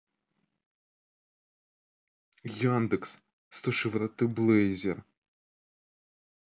яндекс сто шевретта блейзер